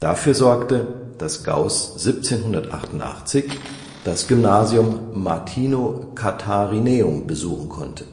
dafür sorgte, dass Gauß 1788 das Gymnasium Martino-Katharineum besuchen konnte